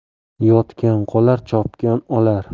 yotgan qolar chopgan olar